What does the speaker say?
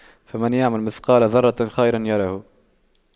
فَمَن يَعمَل مِثقَالَ ذَرَّةٍ خَيرًا يَرَهُ